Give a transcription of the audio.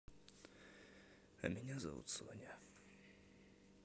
а меня зовут соня